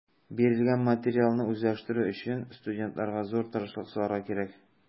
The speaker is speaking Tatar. Бирелгән материалны үзләштерү өчен студентларга зур тырышлык салырга кирәк.